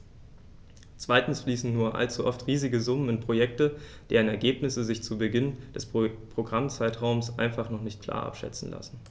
Zweitens fließen nur allzu oft riesige Summen in Projekte, deren Ergebnisse sich zu Beginn des Programmzeitraums einfach noch nicht klar abschätzen lassen.